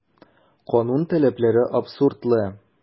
Канун таләпләре абсурдлы.